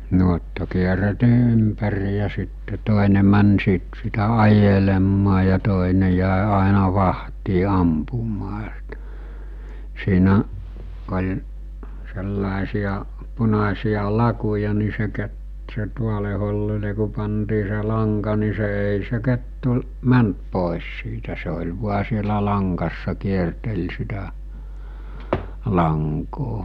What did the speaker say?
nuotta kierrettiin ympäri ja sitten toinen meni siitä sitä ajelemaan ja toinen jäi aina vahtiin ampumaan sitä siinä oli sellaisia punaisia lakuja niin se - se tuolle hollille kun pantiin se lanka niin se ei se kettu mennyt pois siitä se oli vain siellä langassa kierteli sitä lankaa